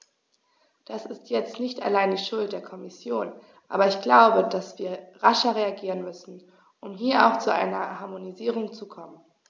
Das ist jetzt nicht allein die Schuld der Kommission, aber ich glaube, dass wir rascher reagieren müssen, um hier auch zu einer Harmonisierung zu kommen.